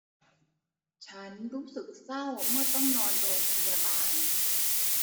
ฉันรู้สึกเศร้าเมื่อต้องนอนโรงพยาบาล